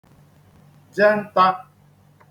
je ntā